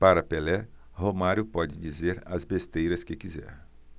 para pelé romário pode dizer as besteiras que quiser